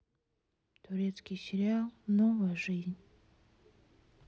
турецкий сериал новая жизнь